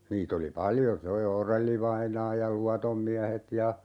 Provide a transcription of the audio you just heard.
niitä oli paljon se - Orell-vainaa ja Luodon miehet ja